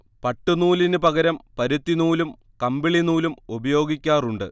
പട്ട്നൂലിന് പകരം പരുത്തി നൂലും കമ്പിളി നൂലും ഉപയോഗിക്കാറുണ്ട്